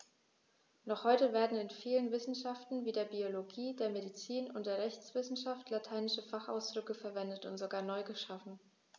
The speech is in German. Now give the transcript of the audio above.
Noch heute werden in vielen Wissenschaften wie der Biologie, der Medizin und der Rechtswissenschaft lateinische Fachausdrücke verwendet und sogar neu geschaffen.